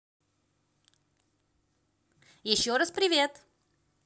еще раз привет